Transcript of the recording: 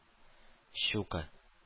Щука